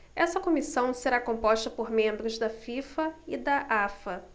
essa comissão será composta por membros da fifa e da afa